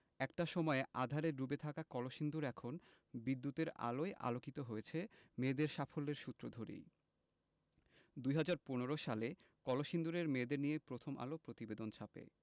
একটা সময়ে আঁধারে ডুবে থাকা কলসিন্দুর এখন বিদ্যুতের আলোয় আলোকিত হয়েছে মেয়েদের সাফল্যের সূত্র ধরেই ২০১৫ সালে কলসিন্দুরের মেয়েদের নিয়ে প্রথম আলো প্রতিবেদন ছাপে